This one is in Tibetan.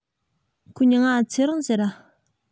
ཁོའི མྱིང ང ཚེ རིང ཟེར ར